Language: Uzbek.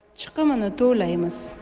chiqimini to'laymiz